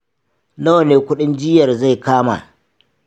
nawa ne kuɗin jiyyar zai kama?